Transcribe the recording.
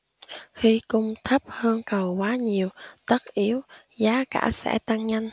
khi cung thấp hơn cầu quá nhiều tất yếu giá cả sẽ tăng nhanh